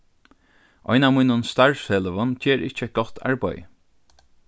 ein av mínum starvsfeløgum ger ikki eitt gott arbeiði